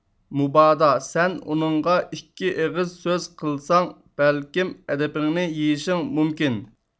مۇبادا سەن ئۇنىڭغا ئىككى ئېغىز سۆز قىلساڭ بەلكىم ئەدىپىڭنى يېيىشىڭ مۇمكىن